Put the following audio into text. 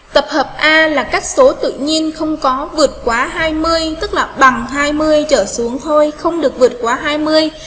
tập hợp a là các số tự nhiên không có vượt quá tức là bằng trở xuống thôi không được vượt quá